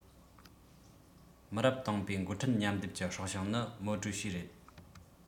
མི རབས དང པོའི འགོ ཁྲིད མཉམ སྡེབ ཀྱི སྲོག ཤིང ནི མའོ ཀྲུའུ ཞི རེད